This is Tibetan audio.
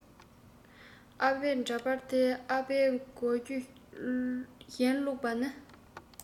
ཨ ཕའི འདྲ པར དེའི ཨ ཕའི གོ རྒྱུ གཞན བླུག པ ནི